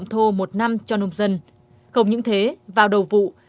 thô một năm cho nông dân không những thế vào đầu vụ